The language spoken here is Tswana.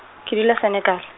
ke dula Senekal .